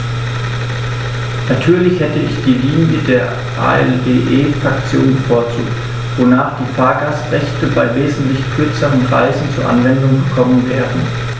Natürlich hätte ich die Linie der ALDE-Fraktion bevorzugt, wonach die Fahrgastrechte bei wesentlich kürzeren Reisen zur Anwendung gekommen wären.